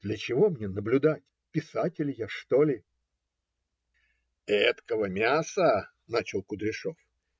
"Для чего мне наблюдать, писатель я, что ли?" Этакого мяса, начал Кудряшов,